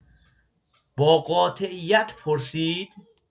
با قاطعیت پرسید